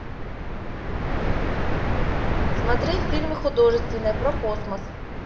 смотреть фильмы художественные про космос